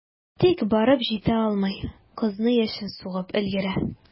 Тик барып җитә алмый, кызны яшен сугып өлгерә.